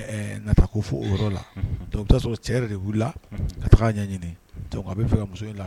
Ɛɛ na taa ko fo o yɔrɔ la, unhun, donc i bɛ ta sɔrɔ cɛ yɛrɛ de wilila, unhun, ka taa ɲɛɲini , donc a bɛ fɛ ka muso